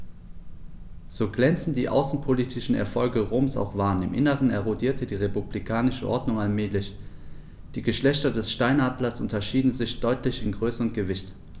So glänzend die außenpolitischen Erfolge Roms auch waren: Im Inneren erodierte die republikanische Ordnung allmählich. Die Geschlechter des Steinadlers unterscheiden sich deutlich in Größe und Gewicht.